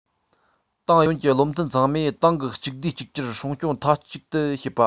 ཏང ཡོངས ཀྱི བློ མཐུན ཚང མས ཏང གི གཅིག བསྡུས གཅིག གྱུར སྲུང སྐྱོང མཐའ གཅིག ཏུ བྱེད པ